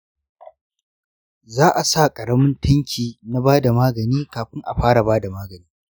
za'a sa ƙaramin tanki na bada magani kafin a fara bada magani.